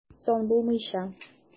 Соң, булмыйча!